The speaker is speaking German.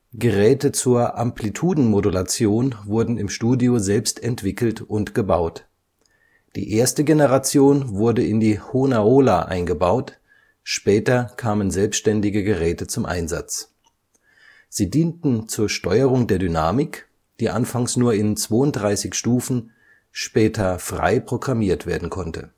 Geräte zur Amplitudenmodulation wurden im Studio selbst entwickelt und gebaut. Die erste Generation wurde in die Hohnerola eingebaut, später kamen selbständige Geräte zum Einsatz. Sie dienten zur Steuerung der Dynamik, die anfangs nur in 32 Stufen, später frei programmiert werden konnte